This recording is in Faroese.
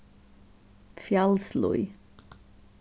fjalslíð